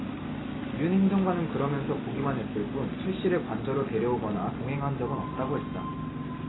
윤 행정관은 그러면서 보기만 했을 뿐 최씨를 관저로 데려오거나 동행한 적은 없다고 했다